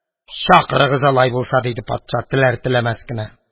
Чакырыгыз, алай булса, – диде патша, теләр-теләмәс кенә.